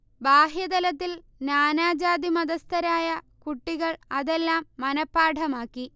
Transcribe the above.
ബാഹ്യതലത്തിൽ നാനാ ജാതി-മതസ്ഥരായ കുട്ടികൾ അതെല്ലാം മനപ്പാഠമാക്കി